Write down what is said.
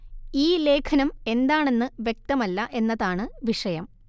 ഈ ലേഖനം എന്താണെന്ന് വ്യക്തമല്ല എന്നതാണ് വിഷയം